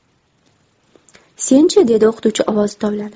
sen chi dedi o'qituvchi ovozi tovlanib